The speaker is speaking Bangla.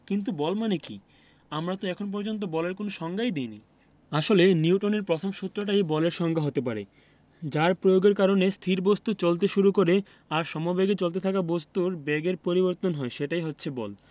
কিন্তু বল মানে কী আমরা তো এখন পর্যন্ত বলের কোনো সংজ্ঞা দিইনি আসলে নিউটনের প্রথম সূত্রটাই বলের সংজ্ঞা হতে পারে যার প্রয়োগের কারণে স্থির বস্তু চলতে শুরু করে আর সমবেগে চলতে থাকা বস্তুর বেগের পরিবর্তন হয় সেটাই হচ্ছে বল